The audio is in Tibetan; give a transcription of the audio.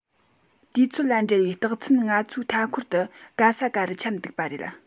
དུས ཚོད ལ འབྲེལ བའི རྟགས མཚན ང ཚོའི མཐའ འཁོར དུ ག ས ག རུ ཁྱབ འདུག པ རེད